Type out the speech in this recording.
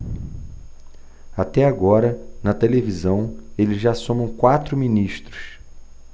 até agora na televisão eles já somam quatro ministros